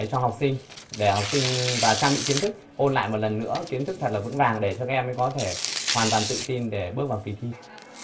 cho học sinh để học sinh và trang bị kiến thức ôn lại một lần nữa kiến thức thật vững vàng để các em có thể hoàn toàn tự tin để bước vào kỳ thi